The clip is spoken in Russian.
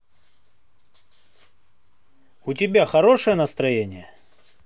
у тебя хорошее настроение